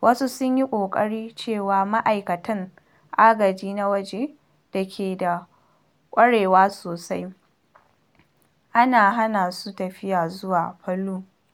wasu sun yi ƙorafi cewa ma’aikatan agaji na waje da ke da ƙwarewa sosai ana hana su tafiya zuwa Palu.